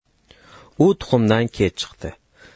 cho'loq turna tuxumdan kech chiqdi